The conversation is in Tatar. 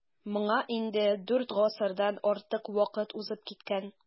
Моңа инде дүрт гасырдан артык вакыт узып киткән.